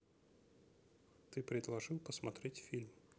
ты предложил посмотреть фильм